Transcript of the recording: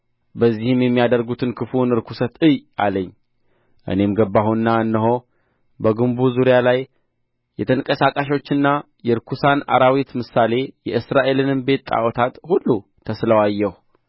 በዚህም የሚያደርጉትን ክፉውን ርኵሰት እይ አለኝ እኔም ገባሁና እነሆ በግንቡ ዙሪያ ላይ የተንቀሳቃሾችና የርኩሳን አራዊት ምሳሌ የእስራኤልንም ቤት ጣዖታት ሁሉ ተስለው አየሁ